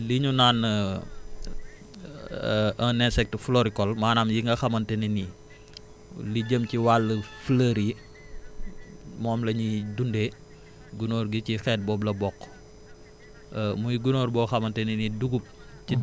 li ñu naan un insecte floricole maanaam yi nga xamante ne ni li jëm ci wàllu fleurs yi moom la ñuy dundee gunóor gi ci xeet boobu la bokk muy gunóor boo xamante ni dugub